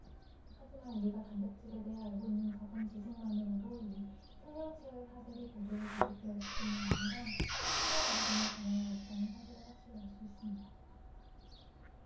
하지만 우리가 단백질에 대해 알고 있는 적은 지식만으로도 이 생명체의 사슬이 고도로 조직되어 있을 뿐만 아니라 심오한 지성을 반영하고 있다는 사실을 확실히 알 수 있습니다